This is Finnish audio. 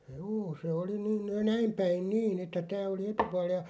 juu se oli - näin päin niin että tämä oli etupuoli ja